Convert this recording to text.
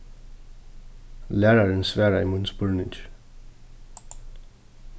lærarin svaraði mínum spurningi